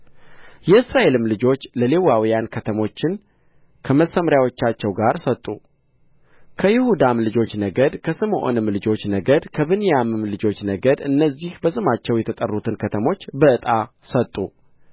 የእስራኤልም ልጆች ለሌዋውያን ከተሞችን ከመሰምርያዎቻቸው ጋር ሰጡ ከይሁዳም ልጆች ነገድ ከስምዖንም ልጆች ነገድ ከብንያምም ልጆች ነገድ እነዚህን በስማቸው የተጠሩትን ከተሞች በዕጣ ሰጡ